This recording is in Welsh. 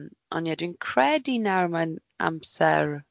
Yym ond ie dwi'n credu nawr mae'n amser.